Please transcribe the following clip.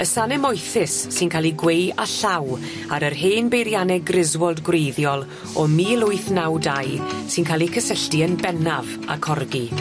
y sane moethus sy'n ca'l 'u gweu a llaw ar yr hen beirianne Griswold gwreiddiol o mil wyth naw dau sy'n ca'l 'u cysylltu yn bennaf â corgi.